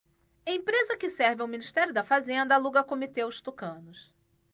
empresa que serve ao ministério da fazenda aluga comitê aos tucanos